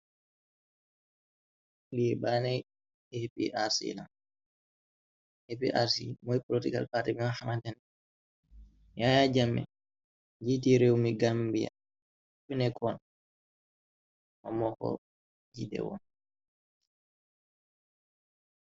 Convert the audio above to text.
Bii bannay aprc la, aprc mooy political party bo hamateneh yaaya jammeh njiiti réew mi gambiya kufinekkoon mom mo ko jiidewoon